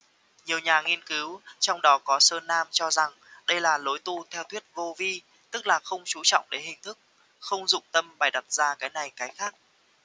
nhiều nhà nghiên cứu trong đó có sơn nam cho rằng đây là lối tu theo thuyết vô vi tức là không chú trọng đến hình thức không dụng tâm bày đặt ra cái này cái khác